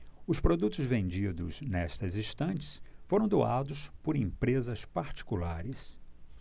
os produtos vendidos nestas estantes foram doados por empresas particulares